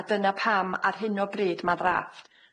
A dyna pam ar hyn o bryd ma'n ddrafft.